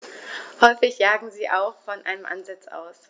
Häufig jagen sie auch von einem Ansitz aus.